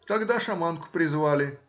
Тогда шаманку призвали